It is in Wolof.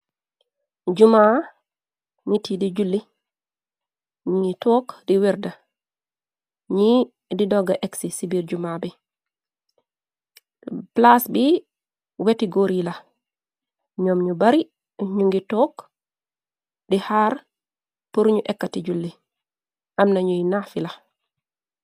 Jumaa niti di julli ñi took di wërda ñi di dogga exi ci biir juma bi plaas bi weti gór yi la ñoom ñu bari ñu ngi took di xaar pur ñu ekkati julli amna ñuy nafi la.